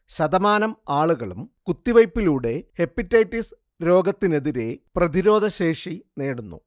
ശതമാനം ആളുകളും കുത്തിവെയ്പിലൂടെ ഹെപ്പറ്റൈറ്റിസ് രോഗത്തിനെതിരെ പ്രതിരോധശേഷി നേടുന്നു